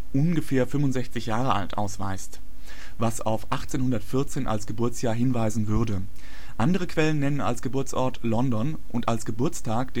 ungefähr 65 Jahre alt “ausweist, was auf 1814 als Geburtsjahr hinweisen würde. Andere Quellen nennen als Geburtsort London und als Geburtstag